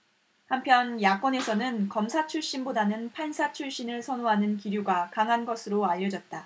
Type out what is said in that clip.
한편 야권에서는 검사 출신보다는 판사 출신을 선호하는 기류가 강한 것으로 알려졌다